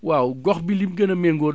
waaw gox bi lim gën a méngóol